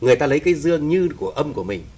người ta lấy cái dương như của âm của mình